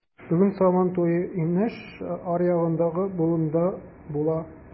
Быел Сабантуе инеш аръягындагы болында була.